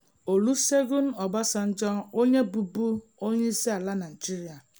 Olusegun Obasanjo, onye bụbu Onyeisiala Naịjirịa.